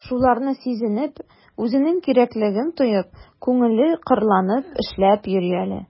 Шуларны сизенеп, үзенең кирәклеген тоеп, күңеле кырланып эшләп йөри әле...